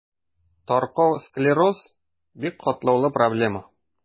Таркау склероз – бик катлаулы проблема.